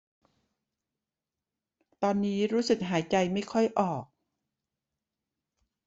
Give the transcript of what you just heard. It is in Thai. ตอนนี้รู้สึกหายใจไม่ค่อยออก